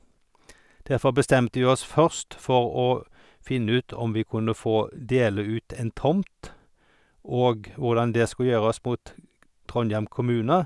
Derfor bestemte vi oss først for å finne ut om vi kunne få dele ut en tomt, og hvordan det skulle gjøres mot Trondhjem kommune.